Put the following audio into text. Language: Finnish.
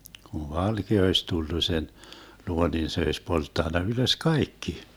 kun valkea olisi tullut sen luo niin se olisi polttanut ylös kaikki